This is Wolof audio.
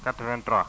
83